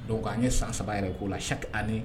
Don an ye san saba yɛrɛ ko la saki ani